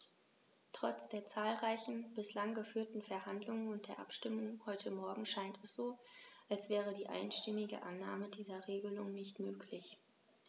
Trotz der zahlreichen bislang geführten Verhandlungen und der Abstimmung heute Morgen scheint es so, als wäre die einstimmige Annahme dieser Regelung nicht möglich.